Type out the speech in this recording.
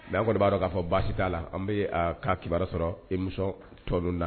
Mais an kɔni b'a dɔn k'a fɔ baasi t'a la, an bɛ a ka kibaruya sɔrɔ émission tɔ ninnu na.